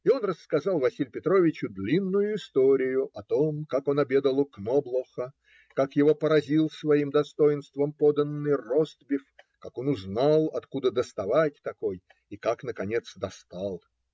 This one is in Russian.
И он рассказал Василию Петровичу длинную историю о том, как он обедал у Кноблоха, как его поразил своим достоинством поданный ростбиф, как он узнал, откуда доставать такой, и как, наконец, достал.